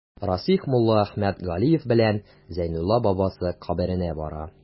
Расих Муллаәхмәт Галиев белән Зәйнулла бабасы каберенә бара.